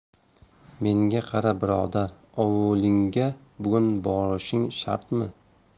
menga qara birodar ovulingga bugun borishing shartmi